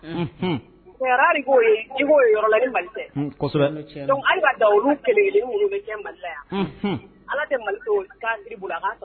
Da olu kelen mali yan ala tɛ